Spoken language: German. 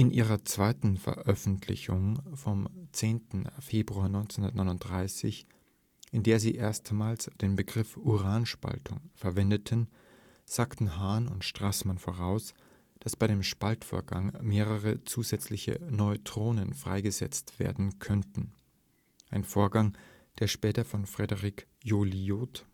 ihrer zweiten Veröffentlichung vom 10. Februar 1939, in der sie erstmals den Begriff „ Uranspaltung “verwendeten, sagten Hahn und Straßmann voraus, dass bei dem Spaltungsvorgang „ mehrere zusätzliche Neutronen freigesetzt werden könnten “– ein Vorgang, der später von Frédéric Joliot